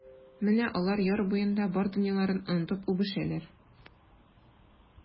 Менә алар яр буенда бар дөньяларын онытып үбешәләр.